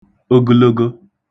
ogologo